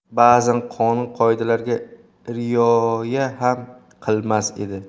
ba'zan qonun qoidalarga rioya ham qilmas edi